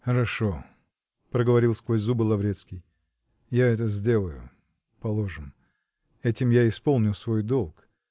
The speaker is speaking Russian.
-- Хорошо, -- проговорил сквозь зубы Лаврецкий, -- это я сделаю, положим этим я исполню свой долг.